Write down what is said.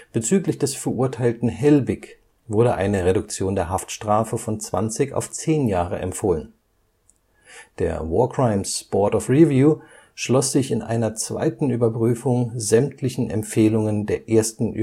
Bezüglich des Verurteilten Helbig wurde eine Reduktion der Haftstrafe von zwanzig auf zehn Jahre empfohlen. Der War Crimes Board of Review schloss sich in einer zweiten Überprüfung sämtlichen Empfehlungen der ersten